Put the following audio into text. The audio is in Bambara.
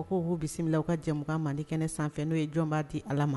U ko u k'u bisimila aw ka jɛmukan nin kɛnɛ sanfɛ n'o ye jɔnbaa di allah ma!